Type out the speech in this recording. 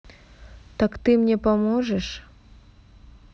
так ты мне поможешь